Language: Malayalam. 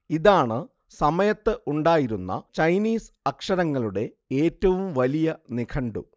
ഇതാണ് സമയത്ത് ഉണ്ടായിരുന്ന ചൈനീസ് അക്ഷരങ്ങളുടെ ഏറ്റവും വലിയ നിഘണ്ടു